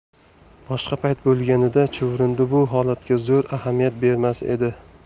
boshqa payt bo'lganida chuvrindi bu holatga zo'r ahamiyat bermas edi